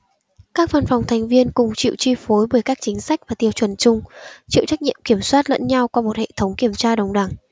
các văn phòng thành viên cùng chịu chi phối bởi các chính sách và tiêu chuẩn chung chịu trách nhiệm kiểm soát lẫn nhau qua một hệ thống kiểm tra đồng đẳng